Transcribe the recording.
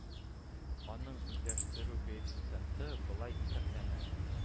Аның үзлəштерү коэффициенты болай исəплəнə